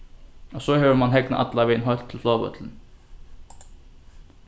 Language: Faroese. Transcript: og so hevur mann hegnað allan vegin heilt til flogvøllin